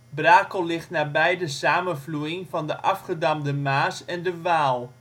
Brakel ligt nabij de samenvloeiing van de Afgedamde Maas en de Waal